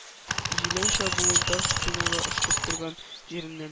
Җилән чабуын таш стенага ышкып торган җиреннән